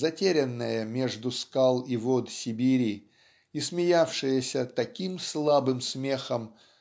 затерянная между скал и вод Сибири и смеявшаяся таким слабым смехом